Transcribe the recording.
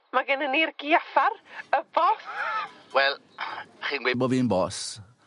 ma' gennyn ni'r giaffar, y boss. Wel chi'n gweud bo' fi'n boss,